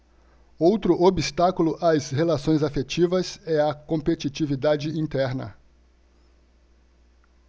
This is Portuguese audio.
outro obstáculo às relações afetivas é a competitividade interna